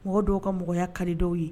Mɔgɔ dɔw ka mɔgɔya ka di dɔw ye.